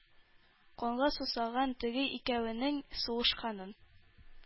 Канга сусаган теге икәвенең сугышканын,